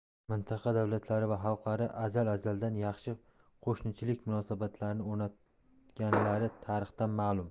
mintaqa davlatlari va xalqlari azal azaldan yaxshi qo'shnichilik munosabatlarini o'rnatganlari tarixdan ma'lum